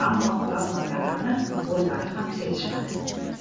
ammo uxlab qolganlarini o'zlari ham sezishmadi